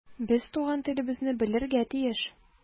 Без туган телебезне белергә тиеш.